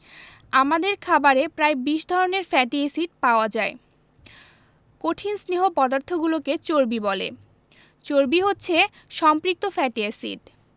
আমাদের খাবারে প্রায় ২০ ধরনের ফ্যাটি এসিড পাওয়া যায় কঠিন স্নেহ পদার্থগুলোকে চর্বি বলে চর্বি হচ্ছে সম্পৃক্ত ফ্যাটি এসিড